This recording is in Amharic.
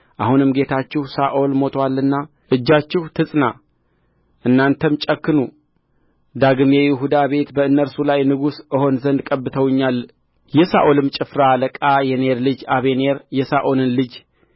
አሁንም ጌታችሁ ሳኦል ሞቶአልና እጃችሁ ትጽና እናንተም ጨክኑ ዳግም የይሁዳ ቤት በእነርሱ ላይ ንጉሥ እሆን ዘንድ ቀብተውኛል የሳኦልም ጭፍራ አለቃ የኔር ልጅ አበኔር የሳኦልን ልጅ